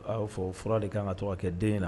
A' fɔ o fura de kan ka to ka kɛ den in na